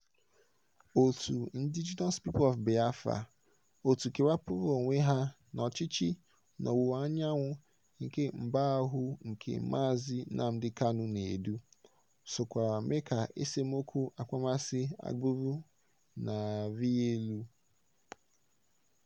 Òtù Indigenous People of Biafra (IPOB), òtù kewapụrụ onwe ha n'ọchịchị n'ọwụwaanyanwụ nke mba ahụ nke Mazi Nnamdi Kanu na-edu, sokwara mee ka esemokwu akpọmasị agbụrụ na-arị elu.